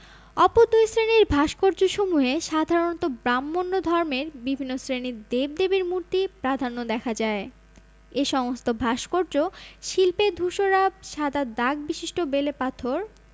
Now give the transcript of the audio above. অপর দুই শ্রেণীর ভাস্কর্যসমূহে সাধারণত ব্রাক্ষ্মণ্য ধর্মের বিভিন্ন শ্রেণির দেব দেবীর মূর্তির প্রাধান্য দেখা যায় এ সমস্ত ভাস্কর্য শিল্পে ধূসরাভ সাদা দাগ বিশিষ্ট বেলে পাথর